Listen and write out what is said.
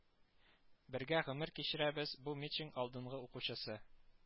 Бергә гомер кичерәбез, бу мичиһ алдынгы укучысы